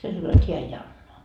se sanoi jotta hän ei anna